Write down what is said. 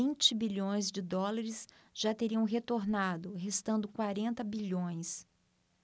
vinte bilhões de dólares já teriam retornado restando quarenta bilhões